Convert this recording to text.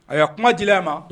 A y'a kumajɛ ma